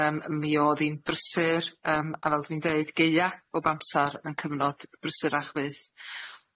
Yym mi o'dd 'i'n brysur yym a fel dwi'n deud gaea bob amsar yn cyfnod brysurach fyth.